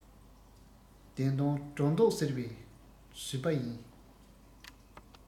བདེན དོན སྒྲོ འདོག སེལ བའི གཟུ པ ཡིན